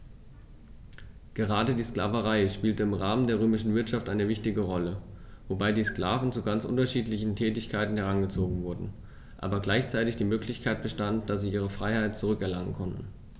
Gerade die Sklaverei spielte im Rahmen der römischen Wirtschaft eine wichtige Rolle, wobei die Sklaven zu ganz unterschiedlichen Tätigkeiten herangezogen wurden, aber gleichzeitig die Möglichkeit bestand, dass sie ihre Freiheit zurück erlangen konnten.